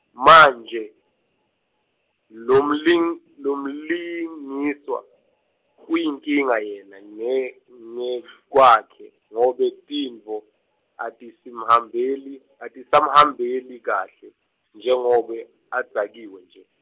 manje, lomling- lomlingiswa, uyinkinga yena nge ngekwakhe, ngobe tintfo, atisamhambeli , atisamhambeli kahle, njengobe adzakiwe nje.